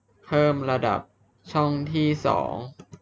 เพิ่มระดับช่องที่สอง